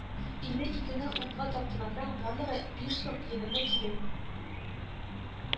Илле икене унга тапкырласаң, барысы биш сум егерме тиен